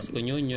waaw